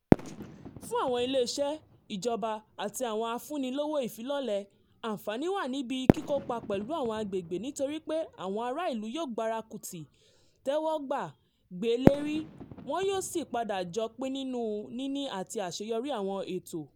Fún àwọn ilé iṣẹ́, ìjọba, àti àwọn afúnni-lówó ìfilọ́lẹ̀, àǹfààní wà níbí kíkópa pẹ̀lú àwọn agbègbè nítorí pé àwọn ará ìlú yóò gbárùkù ti, tẹ́wọ̀ gbàá, gbée léri, wọn yóò sì padà jọ pín nínú níni àti àṣeyọrí àwọn ètò.